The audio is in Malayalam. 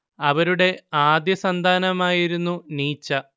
അവരുടെ ആദ്യസന്താനമായിരുന്നു നീച്ച